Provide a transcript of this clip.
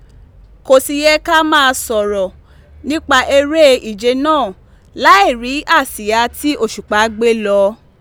Kò sì yẹ ká máa sọ̀rọ̀ nípa eré e ìje náà láìrí àsíá tí òṣùpá gbé lọ.